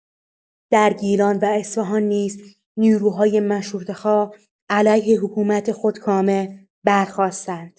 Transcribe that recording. در گیلان و اصفهان نیز نیروهای مشروطه‌خواه علیه حکومت خودکامه برخاستند.